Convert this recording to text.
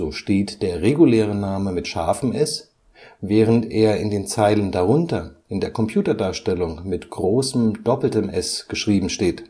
steht der reguläre Name mit ß, während er in den Zeilen darunter in der Computerdarstellung mit SS geschrieben steht